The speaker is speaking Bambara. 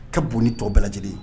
Ka bononi tɔ bɛɛ lajɛlen ye